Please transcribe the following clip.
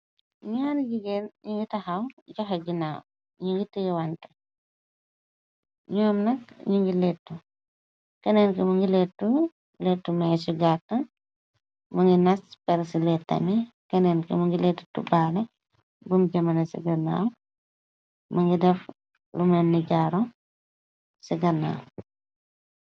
ñaar jigéer ñu gi taxaw joxe ginaaw gi twante ñoom nak ñu ngi lettu keneen komu ngi leetu lettu mee ci gàtta më ngi nas per ci leettame keneen komu ngi lettu tubbaale bum jëmana ci gonnaaw më ngi daf lu menn jaaro ci gannaw